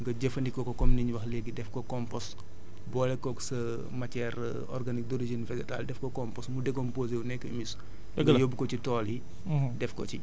li koy li ci gën mooy nga jëfandikoo ko comme ni ñu wax léegi def ko compost boole koog sa matière organique d' origine végétale def ko compost mu décomposé wu nekk humus